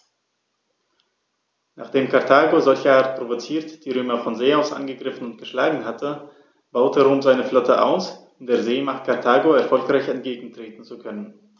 Nachdem Karthago, solcherart provoziert, die Römer von See aus angegriffen und geschlagen hatte, baute Rom seine Flotte aus, um der Seemacht Karthago erfolgreich entgegentreten zu können.